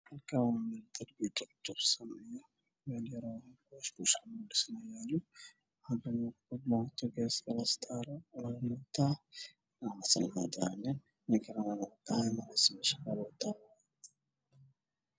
Waxaa ii muuqato mooto meel taagan oo nin agtaagan yahay oo wata shaati cadaan oo ka dambeeyo tukaan yar